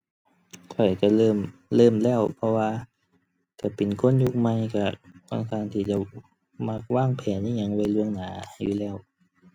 ข้อยก็เริ่ม เริ่มแล้วเพราะว่า ก็เป็นคนยุคใหม่ก็ต้องการที่จะมักวางแผนอิหยังไว้ล่วงหน้าอยู่แล้ว